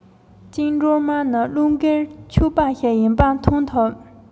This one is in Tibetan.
གལ ཏེ ཀྲུང དབྱང རང གཉིད འཁྲུག པ ཡིན ན ཤོད ཁག པོ རེད